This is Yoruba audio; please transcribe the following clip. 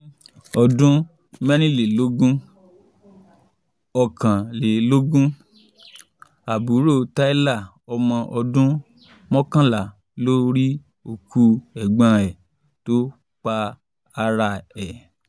Ní ọdún 2014, àbúrò Tyler, ọmo-ọdún 11, ló rí òkú ẹ̀gbọ́n ẹ̀ tó pa ara ẹ̀.